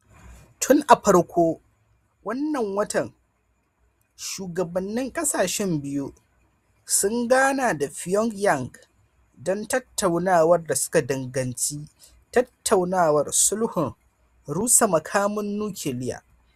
Tun a farko wannan watan, shugabannin kasashen biyu sun gana a Pyongyang don tattaunawar da suka danganci tattaunawar sulhun rusa makaman nukiliya.